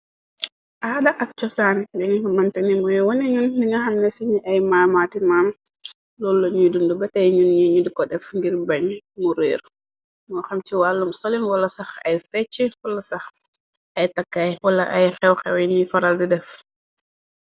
Aada ak cosaan dinifa manteni mooye wane ñu ninga xamne siñi ay maamaatimaam lool la ñuy dund. Ba tey ñun ñi ñud ko def ngir bañ mu réeru moo xam ci wàllum solin. Wala sax ay fecc wala sax ay takkaay wala ay xew-xewiñi faral di def.